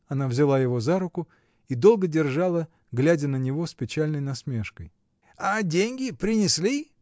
Она взяла его за руку и долго держала, глядя на него с печальной насмешкой. — А деньги принесли?